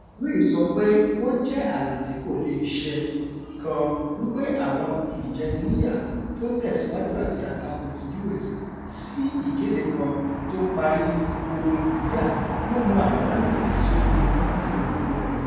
Ri sọ pé ó jẹ́ ''àlá tí kò leè ṣẹ'' kan wí pé àwọn ìjẹniníyà tó ńtẹ̀síwájú àti àtakò ti U.S. sí ìkéde kan tó ńparí Ogun Kòríà yóò mú Àríwá náà wá sórí àwọn orúnkún rẹ̀.